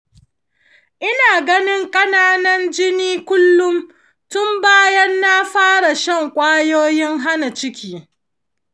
ina ganin ƙananan jini kullum tun bayan na fara shan kwayoyin hana ciki.